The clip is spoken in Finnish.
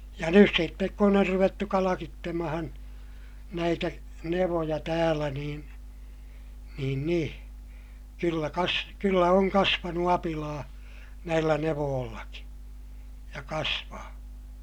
ja nyt sitten kun on ruvettu kalkitsemaan näitä nevoja täällä niin niin niin kyllä - kyllä on kasvanut apilaa näillä nevoillakin ja kasvaa